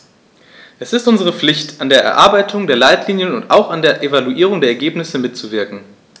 Es ist unsere Pflicht, an der Erarbeitung der Leitlinien und auch an der Evaluierung der Ergebnisse mitzuwirken.